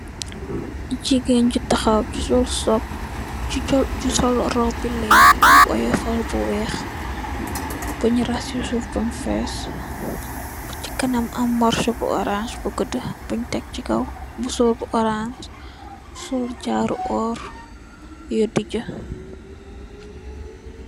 Jigéen ju taxaw, sol robi lee, buñ tax si suuf bam fees, ci kanam am morso bu orans bu gudda buñ tek si kow, musóor bu orans, sol jaaru óor, yu dijja.